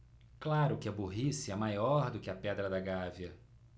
claro que a burrice é maior do que a pedra da gávea